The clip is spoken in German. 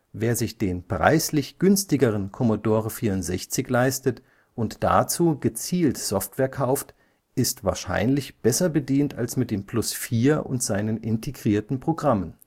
Wer sich den preislich günstigeren Commodore 64 leistet und dazu gezielt Software kauft, ist wahrscheinlich besser bedient als mit dem Plus/4 und seinen integrierten Programmen